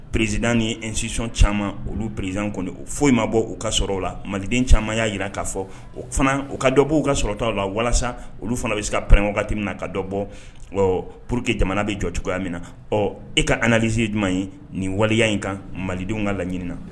Perezd ni nsion caman olu perezd kɔni foyi ma bɔ u ka sɔrɔ u la maliden caman y'a jira k'a fɔ o fana u ka dɔbɔ u ka sɔrɔtɔ la walasa olu fana bɛ se ka pre wagati min na ka dɔ bɔ pour que jamana bɛ jɔ cogoya min na ɔ e kazse jumɛn ye nin waleya in kan malidenw ka laɲiniina